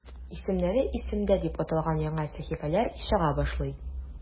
"исемнәре – исемдә" дип аталган яңа сәхифәләр чыга башлый.